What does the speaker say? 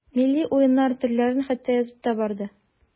Милли уеннар төрләрен хәтта язып та барды.